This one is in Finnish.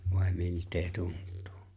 vai miltä tuntuu